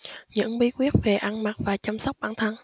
những bí quyết về ăn mặc và chăm sóc bản thân